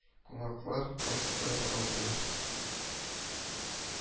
Кунаклар кайсы кая таралды